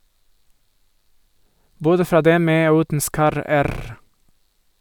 Både fra dem med og uten skarre-r.